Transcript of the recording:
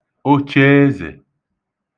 ocheezè